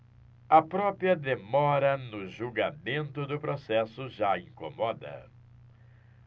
a própria demora no julgamento do processo já incomoda